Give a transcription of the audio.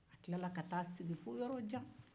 a tilala k'a ta'a sigi fo yɔrɔjan